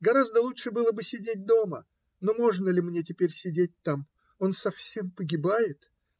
Гораздо лучше было бы сидеть дома; но можно ли мне теперь сидеть там? Он совсем погибает.